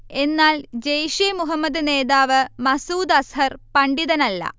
എന്നാൽ ജയ്ഷെ മുഹമ്മദ് നേതാവ് മസ്ഊദ് അസ്ഹർ പണ്ഡിതനല്ല